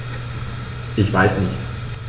Ich weiß nicht.